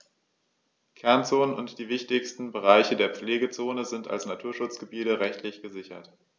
Kernzonen und die wichtigsten Bereiche der Pflegezone sind als Naturschutzgebiete rechtlich gesichert.